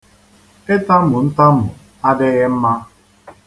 Ịtamu ntamu adịghị mma.